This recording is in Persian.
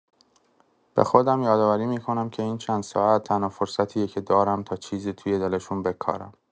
به خودم یادآوری می‌کنم که این چند ساعت، تنها فرصتیه که دارم تا چیزی توی دلشون بکارم.